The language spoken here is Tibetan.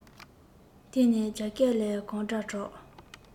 དེ ནས རྒྱ སྐས ལས གོམ སྒྲ གྲགས